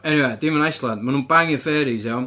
Eniwe, dim yn Iceland. Maen nhw'n bangio fairies iawn.